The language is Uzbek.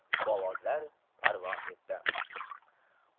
ovozlar parvoz etdi